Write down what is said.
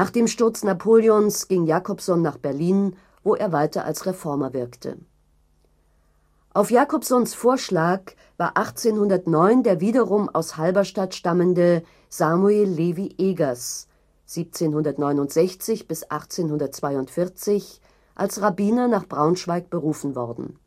dem Sturz Napoleons ging Jacobson nach Berlin, wo er weiter als Reformer wirkte. Auf Jacobsons Vorschlag war 1809 der wiederum aus Halberstadt stammende Samuel Levi Egers (1769 – 1842) als Rabbiner nach Braunschweig berufen worden